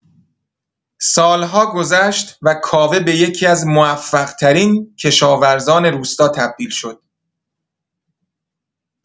سال‌ها گذشت و کاوه به یکی‌از موفق‌ترین کشاورزان روستا تبدیل شد.